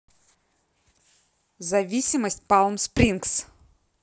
завистмость палм спрингс